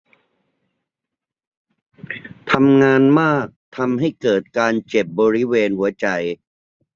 ทำงานมากทำให้เกิดการเจ็บบริเวณหัวใจ